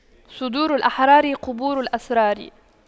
صدور الأحرار قبور الأسرار